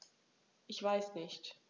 Ich weiß nicht.